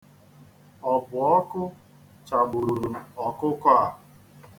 Ọ bụ ọkụ chagburu ọkụkọ a?